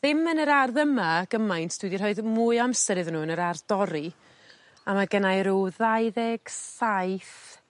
Ddim yn yr ardd yma gymaint dwi 'di rhoid mwy o amser iddyn n'w yn yr ardd dorri a ma' gennai rw ddau ddeg saith...